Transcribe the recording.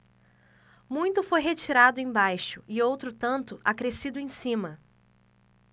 muito foi retirado embaixo e outro tanto acrescido em cima